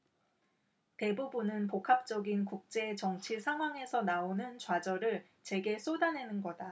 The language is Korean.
대부분은 복합적인 국제 정치 상황에서 나오는 좌절을 제게 쏟아내는 거다